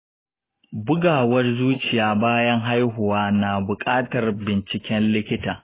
bugawar zuciya bayan haihuwa na bukatar binciken likita.